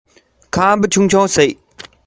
བསྟུན ནས ངའི སེམས པ ཡང